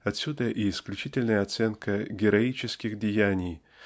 отсюда исключительная оценка героических деяний